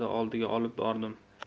oldiga olib bordim